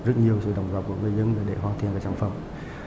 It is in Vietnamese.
rất nhiều sự đóng góp của người dân để hoàn thiện sản phẩm